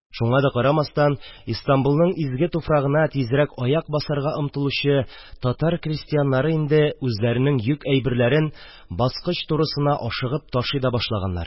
Шуңа да карамастан Истанбулның изге туфрагына тизрәк аяк басарга омтылучы татар крәстиәннәре инде үзләренең йөк-әйберләрен баскыч турысына ашыгып ташый да башлаганнар